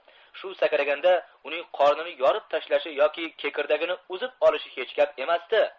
shu sakraganda uning qomini yorib tashlashi yoki kekirdagini uzib olishi hech gap emasdi